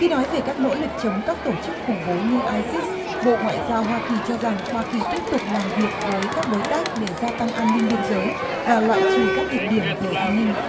khi nói về các nỗ lực chống các tổ chức khủng bố như ai sít bộ ngoại giao hoa kỳ cho rằng hoa kỳ tiếp tục làm việc với các đối tác để gia tăng an ninh biên giới và loại trừ các nhược điểm về an ninh